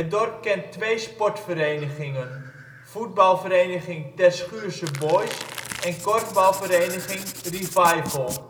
dorp kent twee sportverenigingen. Voetbalvereniging " Terschuurse Boys " en korfbalvereniging " Revival